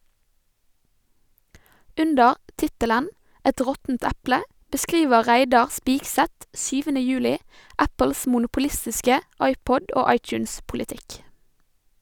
Under tittelen «Et råttent eple» beskriver Reidar Spigseth 7. juli Apples monopolistiske iPod- og iTunes-politikk.